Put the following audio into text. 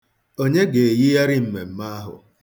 Onye ga-eyigharị mmemme ahụ.